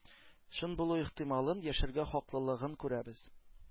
Чын булу ихтималын, яшәргә хаклылыгын күрәбез.